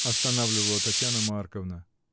— останавливала Татьяна Марковна.